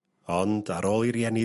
Ond ar ôl i rieni...